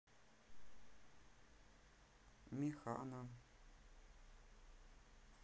механа